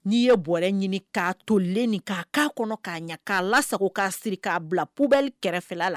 N'i yeɔrrɛ ɲini k'a tolen nin k'a'a kɔnɔ k'a ɲɛ k'a la sago k'a siri k'a bilaba kɛrɛfɛ la